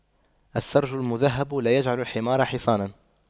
السَّرْج المُذهَّب لا يجعلُ الحمار حصاناً